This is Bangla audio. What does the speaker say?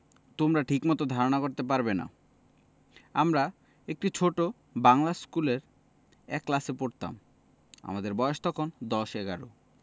তোমরা ঠিকমত ধারণা করতে পারবে না আমরা একটি ছোট বাঙলা স্কুলের এক ক্লাসে পড়তাম আমাদের বয়স তখন দশ এগারো